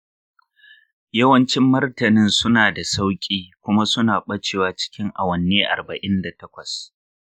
yawancin martanin suna da sauƙi kuma suna ɓacewa cikin awanni arba’in da takwas.